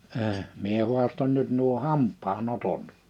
- minä haastoin nyt nuo hampaan otot